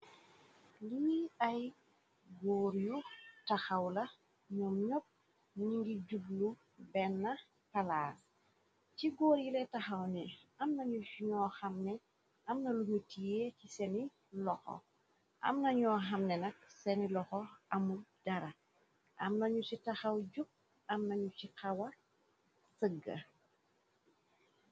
Lee ay góor yu taxaw la ñum ñepp ni ngi jublu benn palaas ci góor yilay taxaw ni amnañuñu xamne amna luñu tiyee ci seni loxou amnañoo xamne nak seeni loxou amul dara amnañu ci taxaw jukk amnañu ci xawa sëgga.